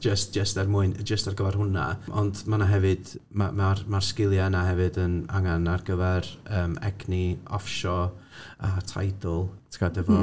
Jyst jyst er mwyn... jyst ar gyfer hwnna. Ond mae 'na hefyd, ma' ma' mae'r sgiliau yna hefyd yn angen ar gyfer yym egni offshore a tidal ti'n gwbod efo...